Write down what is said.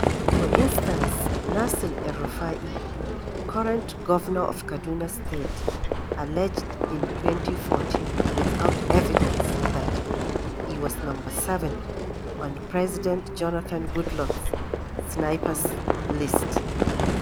For instance, Nassir El-Rufai, current governor of Kaduna State alleged in 2014 — without evidence — that he was “number 7 on [President Jonathan Goodluck’s] sniper’s list”.